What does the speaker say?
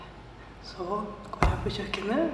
Så går jeg på kjøkkenet.